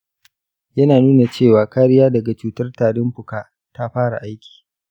yana nuna cewa kariya daga cutar tarin fuka ta fara aiki.